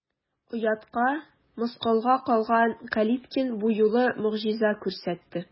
Оятка, мыскылга калган Калиткин бу юлы могҗиза күрсәтте.